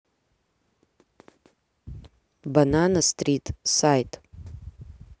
банана стрит сайт